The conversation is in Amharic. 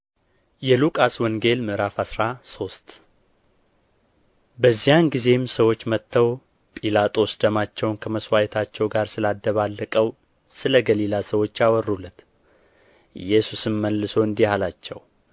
የሉቃስ ወንጌል ምዕራፍ አስራ ሶስት በዚያን ጊዜም ሰዎች መጥተው ጲላጦስ ደማቸውን ከመሥዋዕታቸው ጋር ስላደባለቀው ስለ ገሊላ ሰዎች አወሩለት ኢየሱስም መልሶ እንዲህ አላቸው